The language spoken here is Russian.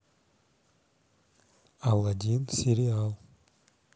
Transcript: аладдин сериал